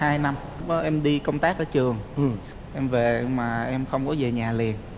hai năm em đi công tác ở trường em về mà em không muốn về nhà liền